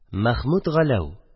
Мәхмүт Галәү